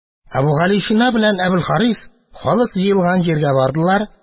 Әбүгалисина белән Әбелхарис халык җыелган җиргә бардылар.